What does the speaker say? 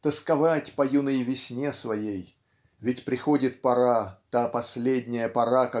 тосковать по юной весне своей ведь приходит пора та последняя пора